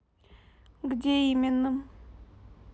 где именно